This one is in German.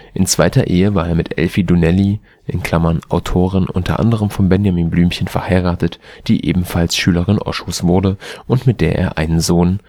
In zweiter Ehe war er mit Elfie Donnelly (Autorin u. a. von Benjamin Blümchen) verheiratet, die ebenfalls Schülerin Oshos wurde und mit der er einen Sohn